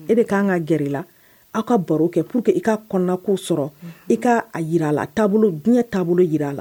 E bɛ ka'an ka gɛrɛ la aw ka baro kɛ pu que i ka kɔnɔko sɔrɔ i k kaa jira a la diɲɛ taabolo jira a la